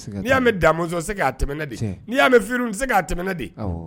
Ni'a mɛ damuzɔn se k'a tɛmɛ ne di n'i y'a mɛn firi se k'a tɛmɛ ne de